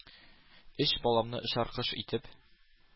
— өч баламны, очар кош итеп,